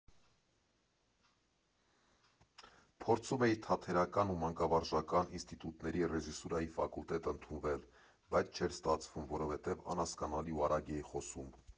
Փորձում էի թատերական ու մանկավարժական ինստիտուտների ռեժիսուրայի ֆակուլտետ ընդունվել, բայց չէր ստացվում, որովհետև անհասկանալի ու արագ էի խոսում։